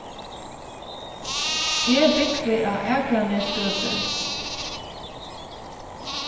eg búgvi á akranesgøtu